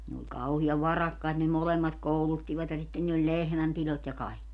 ne oli kauhean varakkaita ne molemmat kouluttivat ja sitten niillä oli lehmänpidot ja kaikki